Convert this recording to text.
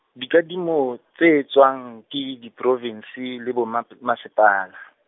dikadimo, tse etswang, ke diprovinse le bo Mmap-, Mmasepala.